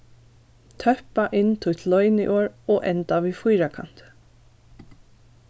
tøppa inn títt loyniorð og enda við fýrakanti